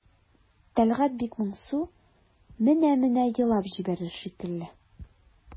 Тәлгать бик моңсу, менә-менә елап җибәрер шикелле.